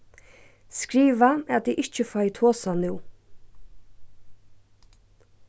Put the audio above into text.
skriva at eg ikki fái tosað nú